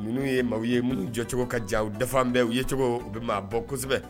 Ninnu ye maaw ye minnu jɔcogo ka jan u dafan bɛɛ u yecogo u bɛ maa bɔ kosɛbɛ